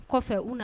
Kɔfɛ u na